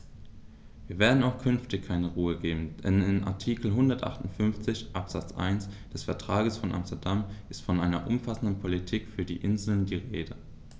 Wir werden auch künftig keine Ruhe geben, denn in Artikel 158 Absatz 1 des Vertrages von Amsterdam ist von einer umfassenden Politik für die Inseln die Rede.